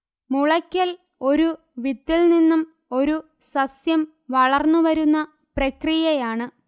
മുളയ്ക്കൽഒരു വിത്തിൽനിന്നും ഒരു സസ്യം വളർന്നുവരുന്ന പ്രക്രിയയാണ്